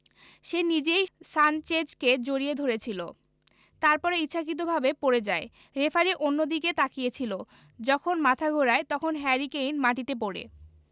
সে নিজেই সানচেজকে জড়িয়ে ধরেছিল তারপরে ইচ্ছাকৃতভাবে পড়ে যায় রেফারি অন্যদিকে তাকিয়ে ছিল যখন মাথা ঘোরায় তখন হ্যারি কেইন মাটিতে পড়ে